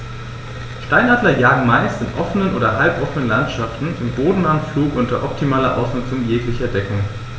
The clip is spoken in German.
Steinadler jagen meist in offenen oder halboffenen Landschaften im bodennahen Flug unter optimaler Ausnutzung jeglicher Deckung.